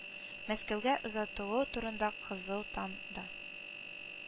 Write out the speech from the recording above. Мәскәүгә озатылуы турында Кызыл таң да